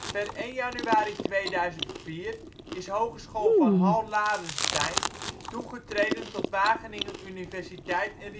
Per 1 januari 2004 is Hogeschool Van Hall Larenstein toegetreden tot Wageningen Universiteit en